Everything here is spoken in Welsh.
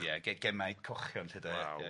Ie ge- gemau cochion 'lly de. Waw. Ia ia.